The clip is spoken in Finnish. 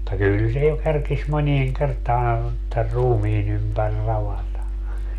mutta kyllä se jo kerkisi moneen kertaa tämän ruumiin ympäri ravata